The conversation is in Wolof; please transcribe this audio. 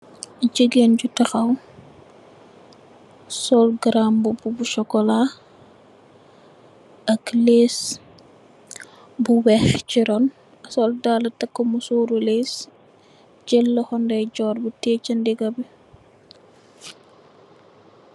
Gigen ju tahaw sol gran bubu bu sokola ak lace bu wey si run. Sol dala taka musor le lace jel lohu ndeyjor bi tey si ndigabi.